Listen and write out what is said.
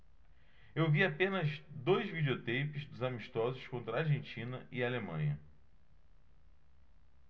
eu vi apenas dois videoteipes dos amistosos contra argentina e alemanha